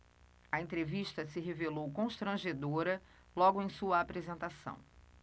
a entrevista se revelou constrangedora logo em sua apresentação